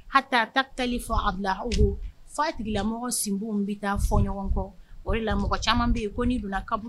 Ha ta bila falamɔgɔ sinsin bɛ taa fɔ ɲɔgɔn kɔ o ye lamɔmɔgɔ caman bɛ yen ko bila